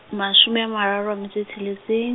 mashome a mararo a metso e tsheletseng.